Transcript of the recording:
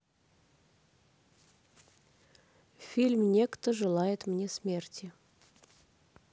фильм не кто желает мне смерти